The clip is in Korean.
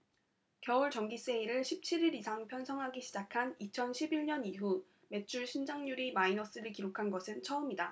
겨울 정기세일을 십 칠 일 이상 편성하기 시작한 이천 십 일 년 이후 매출신장률이 마이너스를 기록한 것은 처음이다